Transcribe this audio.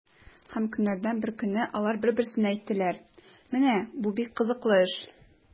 Һәм көннәрдән бер көнне алар бер-берсенә әйттеләр: “Менә бу бик кызыклы эш!”